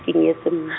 ke nyetse mma.